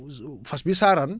fas bi saaraan